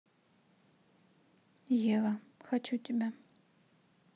ева хочу тебя